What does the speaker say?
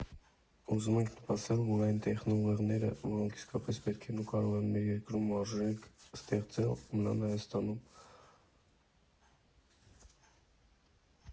Ուզում ենք նպաստել, որ այն տեխնոուղեղները, որոնք իսկապես պետք են ու կարող են մեր երկրում արժեք ստեղծել, մնան Հայաստանում։